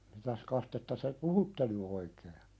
mitäs kastetta te puhutte nyt oikein